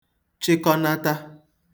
chịkọnata